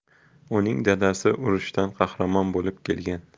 uning dadasi urushdan qahramon bo'lib kelgan